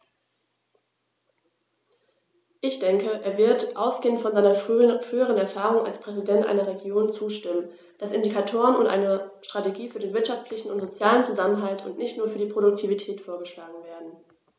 Ich denke, er wird, ausgehend von seiner früheren Erfahrung als Präsident einer Region, zustimmen, dass Indikatoren und eine Strategie für den wirtschaftlichen und sozialen Zusammenhalt und nicht nur für die Produktivität vorgeschlagen werden.